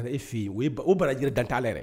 E fi o bara dan' la yɛrɛ